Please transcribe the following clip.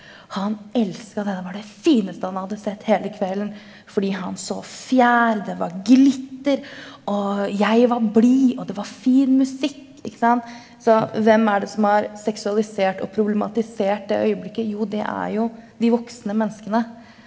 han elsket det, det var det fineste han hadde sett hele kvelden fordi han så fjær, det var glitter og jeg var blid og det var fin musikk ikke sant, så hvem er det som har seksualisert og problematisert det øyeblikket, jo det er jo de voksne menneskene.